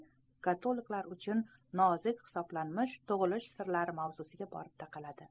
katoliklar uchun nozik hisoblanmish tug'ilish sirlari mavzusiga borib taqaladi